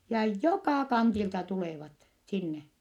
ja joka kantilta tulevat sinne